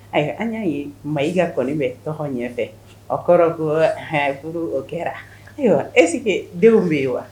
Ayiwa an y'a ye maa i ka kɔni bɛ tɔgɔ ɲɛfɛ o kɔrɔ ko hkuru o kɛra ayiwa ese denw bɛ yen wa